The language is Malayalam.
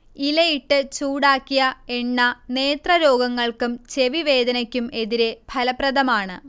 ഇലയിട്ട് ചൂടാക്കിയ എണ്ണ നേത്രരോഗങ്ങൾക്കും ചെവിവേദനയ്ക്കും എതിരെ ഫലപ്രദമാണ്